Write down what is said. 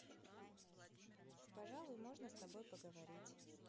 пожалуй можно с тобой поговорить